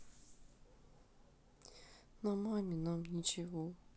на маме нам ничего